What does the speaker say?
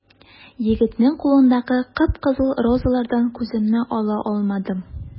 Егетнең кулындагы кып-кызыл розалардан күземне ала алмадым.